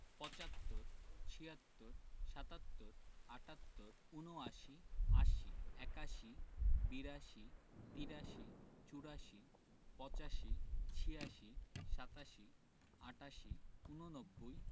৭৫ পঁচাত্তর ৭৬ ছিয়াত্তর ৭৭ সাত্তর ৭৮ আটাত্তর ৭৯ উনআশি ৮০ আশি ৮১ একাশি ৮২ বিরাশি ৮৩ তিরাশি ৮৪ চুরাশি ৮৫ পঁচাশি ৮৬ ছিয়াশি ৮৭ সাতাশি ৮৮ আটাশি ৮৯ ঊননব্বই